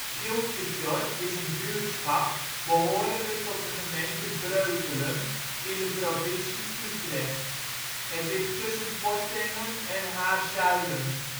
Gieltjesdorp is een buurtschap behorende tot de gemeente Breukelen in de provincie Utrecht. Het ligt tussen Portengen en Haarzuilens